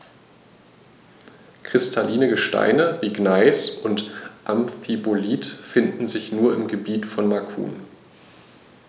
Kristalline Gesteine wie Gneis oder Amphibolit finden sich nur im Gebiet von Macun.